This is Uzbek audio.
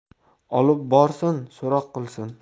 olib borsin so'roq qilsin